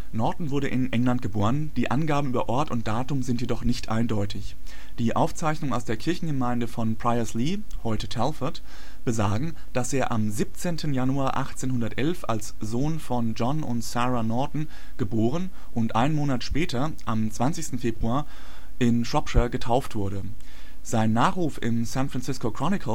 Norton wurde in England geboren, die Angaben über Ort und Datum sind jedoch nicht eindeutig: Die Aufzeichnungen aus der Kirchengemeinde von Priors-Lee (heute Telford) besagen, dass er am 17. Januar 1811 als Sohn von John und Sarah Norton geboren und einen Monat später am 20. Februar in Shropshire getauft wurde (1). Sein Nachruf im San Francisco Chronicle